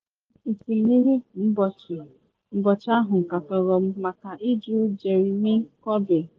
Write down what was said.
N’okwu nke m, ntimiwu mgbochi ahụ katọrọ m maka ịjụ Jeremy Corbyn.